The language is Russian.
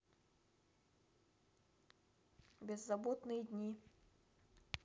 беззаботные дни